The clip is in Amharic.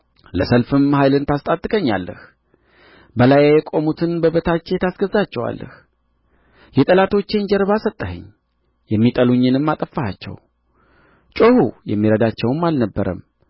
ለሰልፍም ኃይልን ታስታጥቀኛለህ በላዬ የቆሙትን በበታቼ ታስገዛቸዋለህ የጠላቶቼን ጀርባ ሰጠኸኝ የሚጠሉኝንም አጠፋሃቸው ጮኹ የሚረዳቸውም አልነበረም